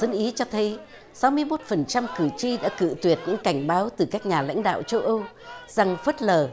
dân ý cho thấy sáu mươi mốt phần trăm cử tri đã cự tuyệt cũng cảnh báo từ các nhà lãnh đạo châu âu rằng phớt lờ